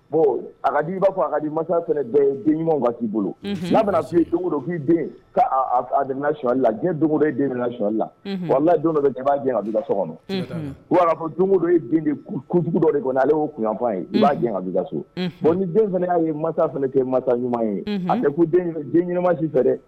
Bon a di i b'a fɔ a ka masa den ɲuman wa k'i bolo' bɛna' ye dugu don k'i den' a s shwalila diɲɛ dugu bɛ den shli lala don dɔ bɛ b'a jɛ a bɛ so kɔnɔ u'a fɔ don dɔ i den de dɔ de kɔnɔ ale y'o kunyan ye i b'a a bi ka so bon ni den fana' ye mansa fana kɛ ye mansa ɲuman ye e ko den ɲumanmati fɛ dɛ